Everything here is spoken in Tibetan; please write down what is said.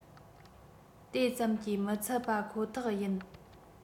དེ ཙམ གྱིས མི ཚད པ ཁོ ཐག ཡིན